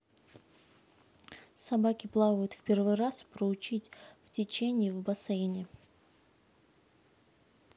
собаки плавают в первый раз проучить в течении в бассейне